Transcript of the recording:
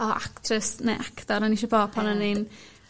o actress ne' actor o'n i isio bod pan o'n i'n